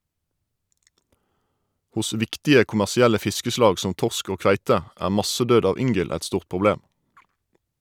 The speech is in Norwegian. Hos viktige kommersielle fiskeslag som torsk og kveite er massedød av yngel et stort problem.